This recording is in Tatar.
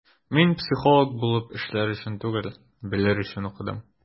Мин психолог булып эшләр өчен түгел, белер өчен укыдым.